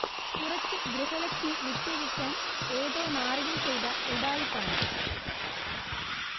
കുറച്ച് ഗൃഹലക്ഷ്മി വിറ്റഴിക്കാൻ ഏതോ നാറികൾ ചെയ്ത ഉഡായിപ്പാണിത്